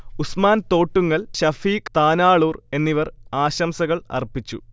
ഉസ്മാൻ തോട്ടുങ്ങൽ, ഷഫീഖ് താനാളൂർ എന്നിവർ ആശംസകൾ അർപ്പിച്ചു